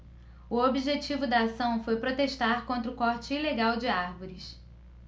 o objetivo da ação foi protestar contra o corte ilegal de árvores